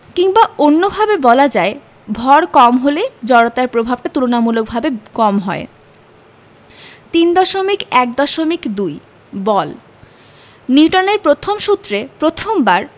কিংবা অন্যভাবে বলা যায় ভর কম হলে জড়তার প্রভাবটা তুলনামূলকভাবে কম হয় 3.1.2 বল নিউটনের প্রথম সূত্রে প্রথমবার